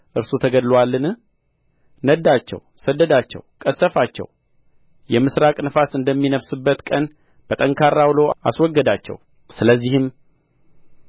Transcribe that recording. እርሱ ተገድሎአልን ነዳቸው ሰደዳቸው ቀሠፋቸው የምሥራቅ ነፋስ እንደሚነፍስበት ቀን በጠንካራ ዐውሎ አስወገዳቸው ስለዚህም